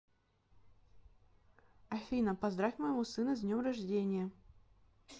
афина поздравь моего сына с днем рождения